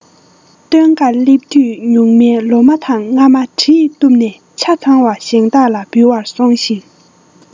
སྟོན ཀར སླེབས དུས ཉུང མའི ལོ མ དང རྔ མ གྲིས གཏུབས ནས ཆ ཚང བ ཞིང བདག ལ འབུལ བར སོང ཞིང